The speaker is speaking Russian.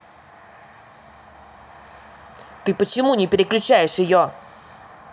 ты почему не переключаешь ее